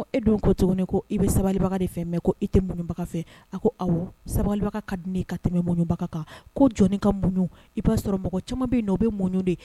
I bɛ sabali i tɛ munɲbaga fɛ a ko aw sabalibaga di ka tɛmɛ munɲbaga jɔn ka muɲ i'a sɔrɔ mɔgɔ caman bɛ o bɛ munɲ de